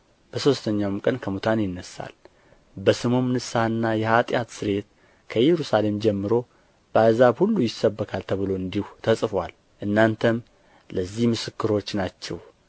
በሦስተኛውም ቀን ከሙታን ይነሣል በስሙም ንስሐና የኃጢአት ስርየት ከኢየሩሳሌም ጀምሮ በአሕዛብ ሁሉ ይሰበካል ተብሎ እንዲሁ ተጽፎአል እናንተም ለዚህ ምስክሮች ናችሁ